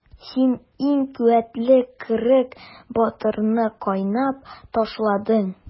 Син иң куәтле кырык батырны кыйнап ташладың.